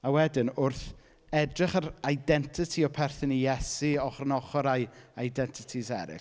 A wedyn wrth edrych ar identity o perthyn i Iesu ochr yn ochr â'i identities eraill